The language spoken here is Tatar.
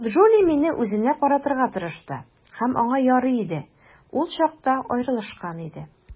Джули мине үзенә каратырга тырышты, һәм аңа ярый иде - ул чакта аерылышкан иде.